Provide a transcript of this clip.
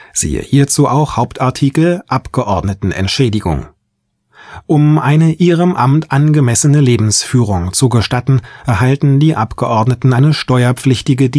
Hauptartikel: Abgeordnetenentschädigung Um eine ihrem Amt angemessene Lebensführung zu gestatten, erhalten die Abgeordneten eine steuerpflichtige